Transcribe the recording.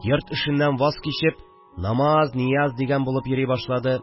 Йорт эшеннән ваз кичеп, намаз-нияз булып йөри башлады